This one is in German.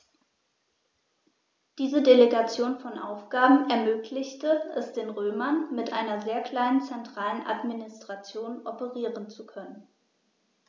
Diese Delegation von Aufgaben ermöglichte es den Römern, mit einer sehr kleinen zentralen Administration operieren zu können.